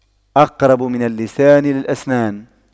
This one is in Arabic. أقرب من اللسان للأسنان